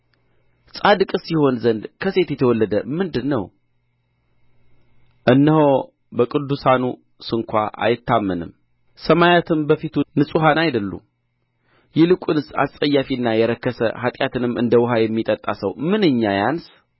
ጻድቅስ ይሆን ዘንድ ከሴት የተወለደ ምንድር ነው እነሆ በቅዱሳኑ ስንኳ አይታመንም ሰማያትም በፊቱ ንጹሐን አይደሉም ይልቁንስ አስጸያፊና የረከሰ ኃጢአትንም እንደ ውኃ የሚጠጣ ሰው ምንኛ ያንስ